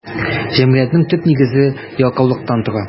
Җәмгыятьнең төп нигезе ялкаулыктан тора.